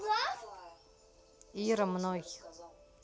ира мной